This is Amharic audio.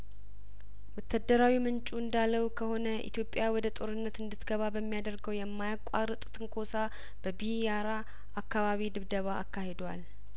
ወተደራዊ ምንጩ እንዳለው ከሆነ ኢትዮጵያ ወደ ጦርነት እንድትገባ በሚያደርገው የማያቋርጥ ትንኮሳ በቢያራ አካባቢ ድብደባ አካሂዷል